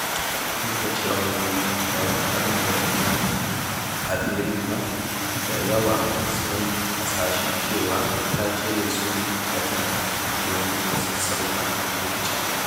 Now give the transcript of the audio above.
Duk da cewa ba ta yi bayanin abin da ya faru a fili ba, da yawa suna hasashen cewa ta cire su ne da kanta domin ta sassauta rikicin.